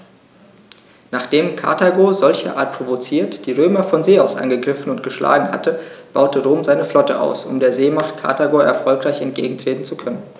Nachdem Karthago, solcherart provoziert, die Römer von See aus angegriffen und geschlagen hatte, baute Rom seine Flotte aus, um der Seemacht Karthago erfolgreich entgegentreten zu können.